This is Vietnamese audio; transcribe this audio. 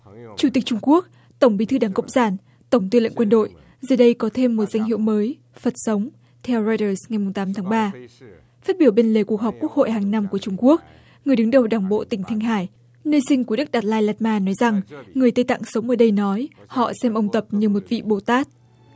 chủ tịch trung quốc tổng bí thư đảng cộng sản tổng tư lệnh quân đội giờ đây có thêm một danh hiệu mới phật sống theo roi đờ ngày mùng tám tháng ba phát biểu bên lề cuộc họp quốc hội hàng năm của trung quốc người đứng đầu đảng bộ tỉnh thanh hải nơi sinh của đức đạt lai lạt ma nói rằng người tây tạng sống ở đây nói họ xem ông tập như một vị bồ tát